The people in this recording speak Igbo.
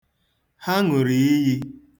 Ha ṅụrụ iyi.